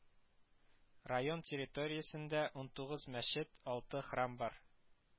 Район территориясендә унтугыз мәчет, алты храм бар